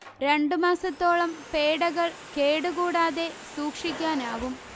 രണ്ടു മാസത്തോളം പേഡകൾ കേടു കൂടാതെ സൂക്ഷിക്കാനാവും